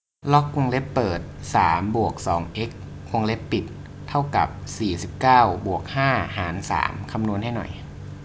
ล็อกวงเล็บเปิดสามบวกสองเอ็กซ์วงเล็บปิดเท่ากับสี่สิบเก้าบวกห้าหารสามคำนวณให้หน่อย